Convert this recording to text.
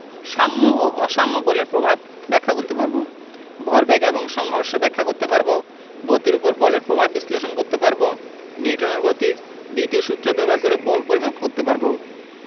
সাম্য ও অসাম্য বলের প্রভাব ব্যাখ্যা করতে পারব ভরবেগ এবং সংঘর্ষ ব্যাখ্যা করতে পারব গতির উপর বলের প্রভাব বিশ্লেষণ করতে পারব নিউটনের গতির দ্বিতীয় সূত্র ব্যবহার করে বল পরিমাপ করতে পারব